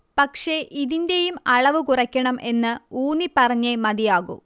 പക്ഷെ ഇതിന്റെയും അളവ് കുറക്കണം എന്ന് ഊന്നി പറഞ്ഞേ മതിയാകൂ